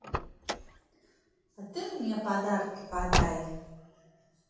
а ты мне подарки подай